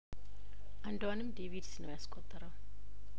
አንዷንም ዴቪድ ስነው ያስቆጠረው